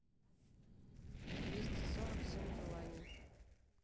двести сорок семь желаний